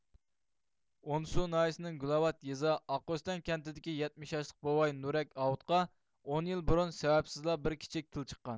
ئونسۇ ناھىيىسىنىڭ گۈلاۋات يېزا ئاقئۆستەڭ كەنتىدىكى يەتمىش ياشلىق بوۋاي نۇرەك ئاۋۇتقا ئون يىل بۇرۇن سەۋەبسىزلا بىر كىچىك تىل چىققان